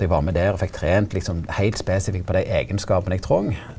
eg var med der og fekk trent liksom heilt spesifikt på dei eigenskapane eg trong.